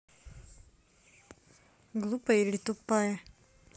глупая или тупая